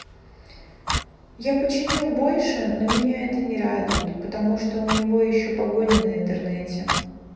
я починил больше но меня это не радует потому что у него еще погоня на интернете